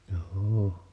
joo